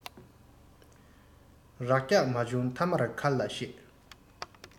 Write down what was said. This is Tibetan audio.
རགས རྒྱག མ བྱུང མཐའ མར མཁར ལ གཤེད